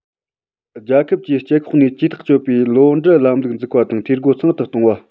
རྒྱལ ཁབ ཀྱིས སྤྱི ཁོག ནས ཇུས ཐག གཅོད པའི བློ འདྲི ལམ ལུགས འཛུགས པ དང འཐུས སྒོ ཚང དུ གཏོང བ